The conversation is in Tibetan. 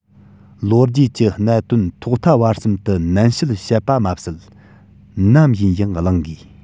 ལོ རྒྱུས ཀྱི གནད དོན ཐོག མཐའ བར གསུམ དུ ནན བཤད བྱེད པ མ ཟད ནམ ཡིན ཡང གླེང དགོས